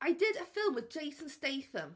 I did a film with Jason Statham.